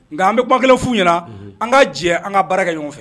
Nka an bɛ ban kelen f'u ɲɛna, unhun, an ka jɛ an ka baara kɛ ɲɔgɔn fɛ